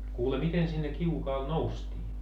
kuule miten sinne kiukaalle noustiin